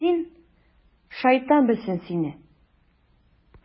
Син, шайтан белсен сине...